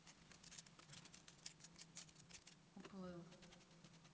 уплыл